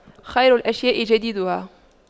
خير الأشياء جديدها